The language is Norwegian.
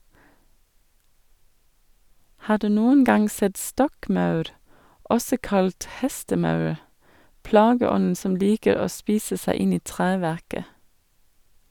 Har du noen gang sett stokkmaur, også kalt hestemaur, plageånden som liker å spise seg inn i treverket?